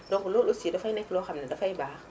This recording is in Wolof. donc loolu aussi dafay nekk loo xam ne dafay baax